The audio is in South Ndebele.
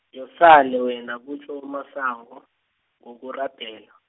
yosale wena kutjho uMasango, ngokurabhela.